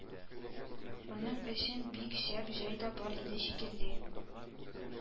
Моның өчен бик шәп җай да бар иде шикелле